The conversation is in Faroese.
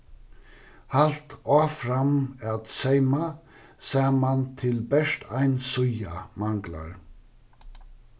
halt áfram at seyma saman til bert ein síða manglar